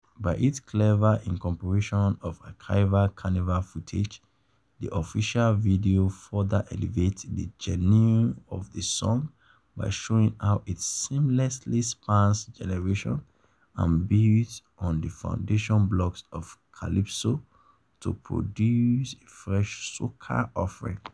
By its clever incorporation of archival Carnival footage, the official video further elevates the genius of the song by showing how it seamlessly spans generations and builds on the foundation blocks of calypso to produce a fresh soca offering.